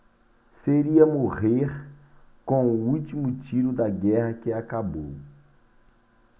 seria morrer com o último tiro da guerra que acabou